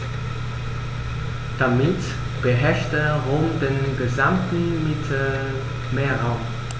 Damit beherrschte Rom den gesamten Mittelmeerraum.